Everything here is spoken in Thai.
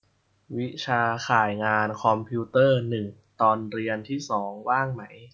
วิชาข่ายงานคอมพิวเตอร์หนึ่งตอนเรียนที่สองว่างไหม